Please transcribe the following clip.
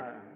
ala